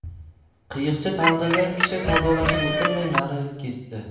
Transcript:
qiyiqcha tang'igan kishi savdolashib o'tirmay nari ketdi